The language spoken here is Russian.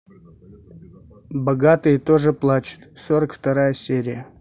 богатые тоже плачут сорок вторая серия